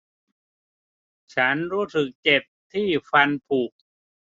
ฉันรู้สึกเจ็บที่ฟันผุ